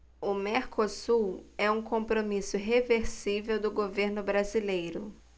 o mercosul é um compromisso irreversível do governo brasileiro